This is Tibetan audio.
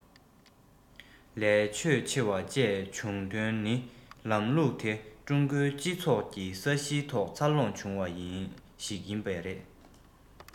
ལས ཕྱོད ཆེ བ བཅས བྱུང དོན ནི ལམ ལུགས དེ ཀྲུང གོའི སྤྱི ཚོགས ཀྱི ས གཞིའི ཐོག འཚར ལོངས བྱུང བ ཞིག ཡིན པས རེད